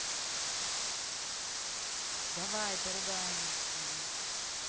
давай поругаемся